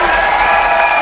nhau